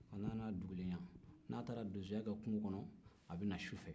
a nana dugulenya n'a taara donsoya kɛ kungo kɔnɔ a bɛ na su fɛ